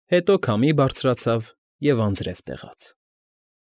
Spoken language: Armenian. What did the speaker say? Հետո քամի բարձրացավ և անձրև տեղաց։